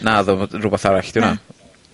...naddo fod, rwbath arall 'di wnna.